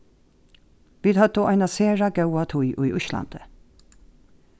vit høvdu eina sera góða tíð í íslandi